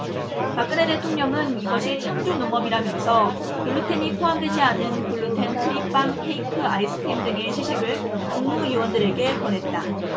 박근헤 대통령은 이것이 창조농업이라면서 글루텐이 포함되지 않은 글루텐 프리 빵 케이크 아이스크림 등의 시식을 국무위원들에게 권했다